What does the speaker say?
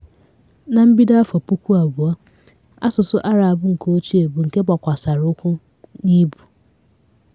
Na mbido afọ 2000, asụsụ Arab nke ochie bụ nke gbakwasara ụkwụ n'ịbụ